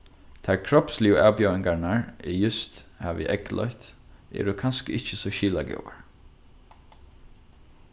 tær kropsligu avbjóðingarnar eg júst havi eygleitt eru kanska ikki so skilagóðar